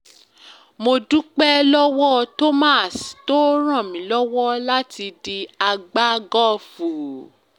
Mo dúpẹ́ lọwọ́ Thomas tó rànmílọ́wọ́ láti di agbágọ́ọ̀fù.